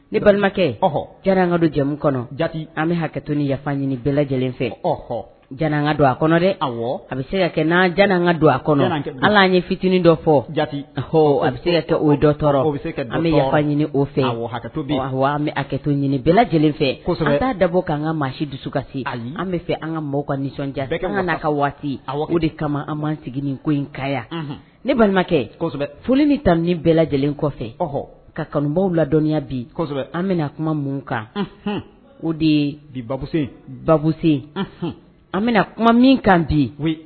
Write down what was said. Ne balimakɛɔɔn diyara an ka don jɛmu kɔnɔ jate an bɛ hakɛto ni yafa ɲini bɛɛ lajɛlen fɛ ɔɔ ka don a kɔnɔ dɛ a bɛ se kɛ jan an ka don a kɔnɔ ala an ye fitinin dɔ fɔ jate hɔ a bɛ se ka to o dɔ an bɛ yafa ɲini o fɛ an bɛ akɛto ɲini bɛɛ lajɛlen fɛ kosɛbɛ t'a dabɔ k'an ka maa si dusu ka se ali an bɛ fɛ an ka mɔgɔw ka nisɔndiya an'a ka waati a o de kama an man sigi nin ko in kaya ne balimakɛ foli ta bɛɛ lajɛlen kɔfɛ ɔɔ ka kanubaw ladɔnya bi an bɛna kuma min kan o de bi basen basen an bɛna kuma min kan bi